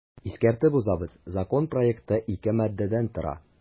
Искәртеп узабыз, закон проекты ике маддәдән тора.